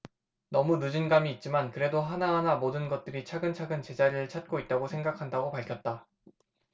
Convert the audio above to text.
너무 늦은감이 있지만 그래도 하나하나 모든 것들이 차근차근 제자리를 찾고 있다고 생각한다고 밝혔다